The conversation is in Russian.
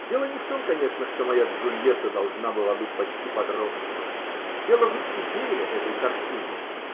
Дело не в том, конечно, что моя Джульетта должна была быть почти подростком. Дело в идее этой картины.